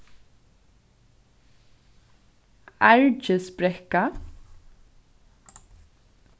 ærgisbrekka